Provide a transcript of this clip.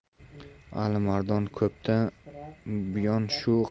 alimardon ko'pdan buyon shu